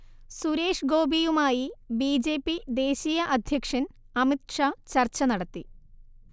സുരേഷ് ഗോപിയുമായി B J P ദേശീയഅധ്യക്ഷൻ അമിത്ഷാ ചർച്ച നടത്തി